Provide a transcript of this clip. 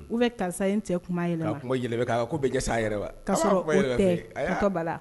U bɛ karisa in tɛ kuma ye ko bɛ jɛ yɛrɛ wa ka